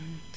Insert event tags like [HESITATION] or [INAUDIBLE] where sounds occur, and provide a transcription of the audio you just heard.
[HESITATION]